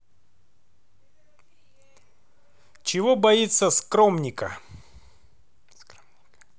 чего боится скромника